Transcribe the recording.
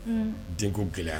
Denko gɛlɛyara